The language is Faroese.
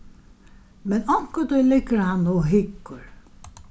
men onkuntíð liggur hann og hyggur